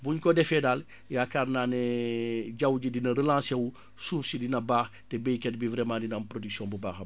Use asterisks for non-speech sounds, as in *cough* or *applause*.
bu ñu ko defee daal yaakaar naa ne *hesitation* jaww ji dina relancer wu suuf si dina baax te baykat bi vraiment dina am production bu baax a